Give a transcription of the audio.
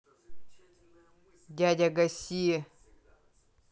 дядя гаси